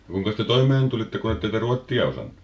kuinkas te toimeen tulitte kun ette te ruotsia osannut